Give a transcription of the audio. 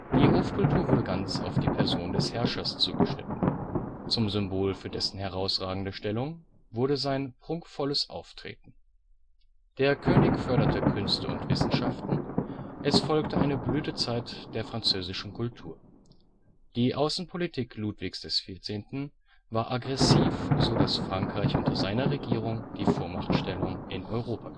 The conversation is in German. Die Hofkultur wurde ganz auf die Person des Herrschers zugeschnitten. Zum Symbol für dessen herausragende Stellung wurde sein prunkvolles Auftreten. Der König förderte Künste und Wissenschaften, es folgte eine Blütezeit der französischen Kultur. Die Außenpolitik Ludwigs XIV. war aggressiv, so dass Frankreich unter seiner Regierung die Vormachtstellung in Europa